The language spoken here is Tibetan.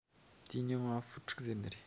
དེའི མྱིང ང ཧྥུའུ ཁྲུག ཟེར ནི རེད